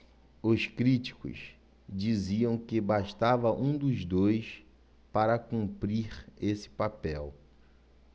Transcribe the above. os críticos diziam que bastava um dos dois para cumprir esse papel